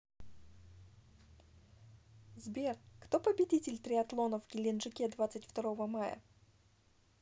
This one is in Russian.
сбер кто победитель триатлонов в геленджике двадцать второго мая